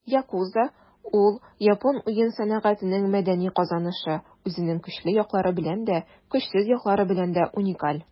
Yakuza - ул япон уен сәнәгатенең мәдәни казанышы, үзенең көчле яклары белән дә, көчсез яклары белән дә уникаль.